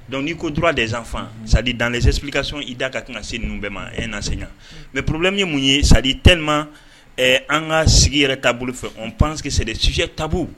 Dɔnku n'i koturaura dezfan sadi dan seli ka sɔn i da ka kan ka se ninnu bɛɛ ma e na se ɲɛ mɛ porobilɛmi ye mun ye sadi tɛma an ka sigi yɛrɛ taabolo bolo fɛ o panske seli syɛ taabolo